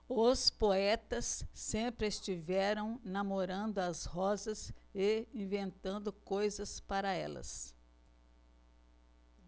os poetas sempre estiveram namorando as rosas e inventando coisas para elas